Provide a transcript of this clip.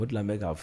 Ko dilanbe k'a